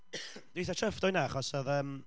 Dwi'n eitha chuffed o hynna, achos oedd, yym,